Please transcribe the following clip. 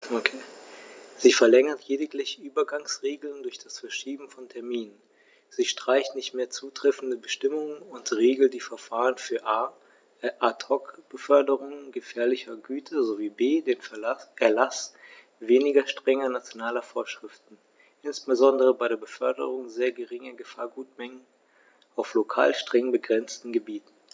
Sie verlängert lediglich Übergangsregeln durch das Verschieben von Terminen, sie streicht nicht mehr zutreffende Bestimmungen, und sie regelt die Verfahren für a) Ad hoc-Beförderungen gefährlicher Güter sowie b) den Erlaß weniger strenger nationaler Vorschriften, insbesondere bei der Beförderung sehr geringer Gefahrgutmengen auf lokal streng begrenzten Gebieten.